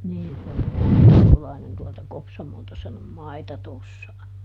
niin se on se Veikkolainen tuolta Kopsamolta sen on maita tuossa